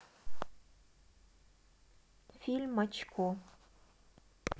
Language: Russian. фильм очко